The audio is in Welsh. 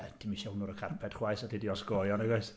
Ie, dim isio hwnnw ar y carpet chwaith os alli di osgoi o, nag oes?